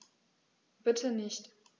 Bitte nicht.